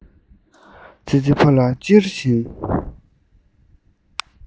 ཙི ཙི ཕོ ལ ཅེར བཞིན